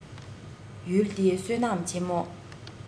ཡུལ འདི བསོད ནམས ཆེན མོ